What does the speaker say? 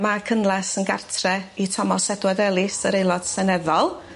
Ma' Cynlas yn gartre i Tomos Edward Ellis yr Aelod Seneddol.